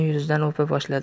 yuzidan o'pa boshladi